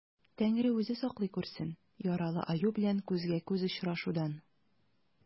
Тәңре үзе саклый күрсен яралы аю белән күзгә-күз очрашудан.